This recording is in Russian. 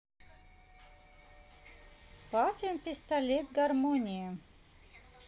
папин пистолет гармония